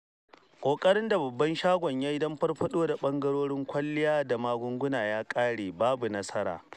Ƙoƙarin da babban shagon ya yi don farfaɗo da ɓangarorin kwalliya da magunguna ya ƙare babu nasara.